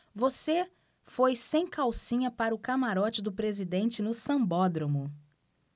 você foi sem calcinha para o camarote do presidente no sambódromo